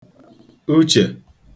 uchè